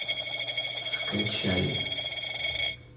скачай